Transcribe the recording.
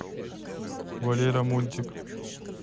валера мультик